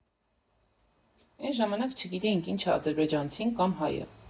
Էն ժամանակ չգիտեինք ինչ ա ադրբեջանցին կամ հայը։